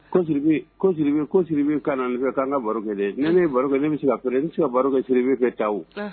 Sirisiri bɛ ka na fɛ kan an ka barokɛ ne ne barokɛ bɛ se ka fɛ ne bɛ se ka baro kɛ siri bɛ fɛ taawu